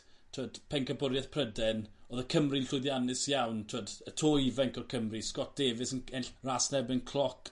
t'wod pencampwriaeth Pryden odd y Cymry'n llwyddiannus iawn t'wod y tô ifenc o Cymru Scott Davis yn c- ennill ras yn erbyn cloc